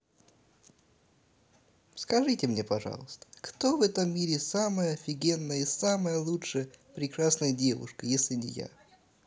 скажи мне пожалуйста кто в этом мире самая офигенная самая лучшая самая прекрасная девушка если не я